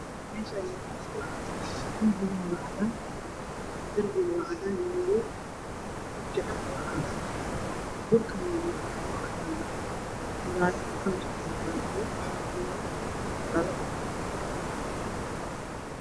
Meeshaani waa musqul cadaan ah rinjigeeduna waa cadaan. Darbigu waa cadaan iyo madow. Waji dhaqo waa cadaan, dhulkuna waa mutuleel oo cadaan ah ,muraayada kalarkeeduna waa madow iyo dhalo.